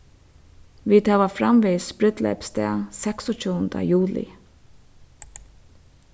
vit hava framvegis brúdleypsdag seksogtjúgunda juli